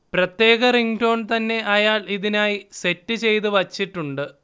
പ്രത്യേക റിങ്ങ്ടോൺ തന്നെ അയാൾ ഇതിനായി സെറ്റ് ചെയ്ത് വച്ചിട്ടുണ്ട്